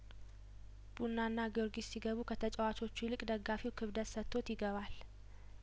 ቡናና ጊዮርጊስ ሲገቡ ከተጫዋቾቹ ይልቅ ደጋፊው ክብደት ሰጥቶት ይገባል